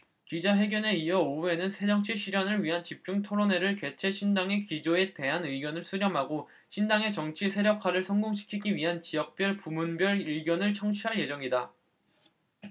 기자회견에 이어 오후에는 새정치 실현을 위한 집중 토론회를 개최 신당의 기조에 대한 의견을 수렴하고 신당의 정치 세력화를 성공시키기 위한 지역별 부문별 의견을 청취할 예정이다